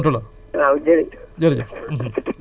aywa merci beuacoup boo racroché mu tontu la